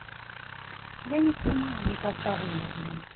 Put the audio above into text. я не снимаю никогда вылезли